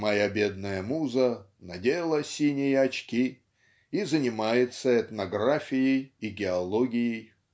"Моя бедная муза надела синие очки и занимается этнографией и геологией".